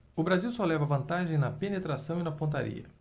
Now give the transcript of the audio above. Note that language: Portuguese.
o brasil só leva vantagem na penetração e na pontaria